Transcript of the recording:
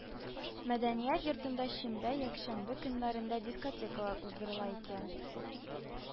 Мәдәният йортында шимбә, якшәмбе көннәрендә дискотекалар уздырыла икән